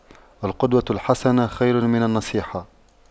القدوة الحسنة خير من النصيحة